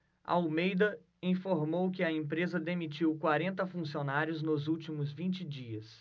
almeida informou que a empresa demitiu quarenta funcionários nos últimos vinte dias